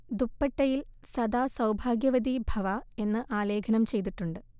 ദുപ്പട്ടയിൽ സദാ സൗഭാഗ്യവതി ഭവഃ എന്ന് ആലേഖനം ചെയ്തിട്ടുണ്ട്